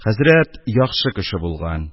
Хәзрәт яхшы кеше булган.